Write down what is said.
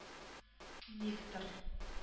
Виктор